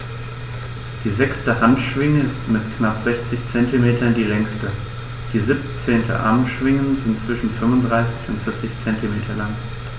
Die sechste Handschwinge ist mit knapp 60 cm die längste. Die 17 Armschwingen sind zwischen 35 und 40 cm lang.